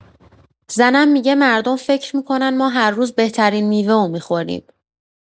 زنم می‌گه مردم فکر می‌کنن ما هر روز بهترین میوه می‌خوریم.